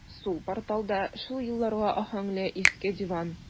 Сул порталда шул елларга аһәңле иске диван.